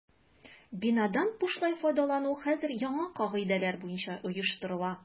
Бинадан бушлай файдалану хәзер яңа кагыйдәләр буенча оештырыла.